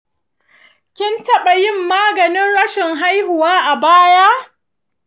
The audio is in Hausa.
kin taɓa yin maganin rashin haihuwa a baya?